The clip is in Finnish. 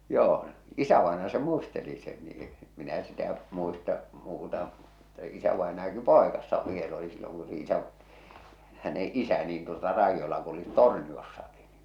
joo isävainaja se muisteli sen niin - minä sitä muista muuta mutta isävainajakin poikasena vielä oli silloin kun sen isä hänen isä niin tuota raidoilla kulkivat Torniossakin niin